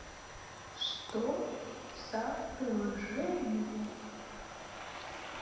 что за приложение